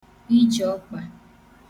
ijèọkpà